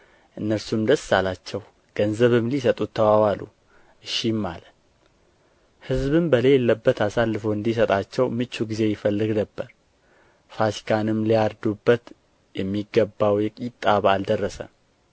እነርሱም ደስ አላቸው ገንዘብም ሊሰጡት ተዋዋሉ እሺም አለ ሕዝብም በሌለበት አሳልፎ እንዲሰጣቸው ምቹ ጊዜ ይፈልግ ነበር ፋሲካንም ሊያርዱበት የሚገባው የቂጣ በዓል ደረሰ